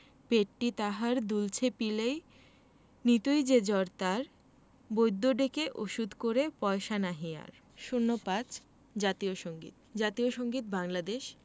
পেটটি তাহার দুলছে পিলেয় নিতুই যে জ্বর তার বৈদ্য ডেকে ওষুধ করে পয়সা নাহি আর ০৫ জাতীয় সংগীত জাতীয় সংগীত বাংলাদেশ